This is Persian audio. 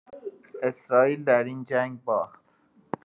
اسراییل در این جنگ باخت.